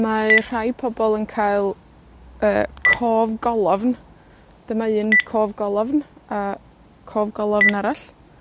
Mae rhai pobol yn cael, yy, cofgolofn. Dyma un cofgolofn, a, cofgolofn arall.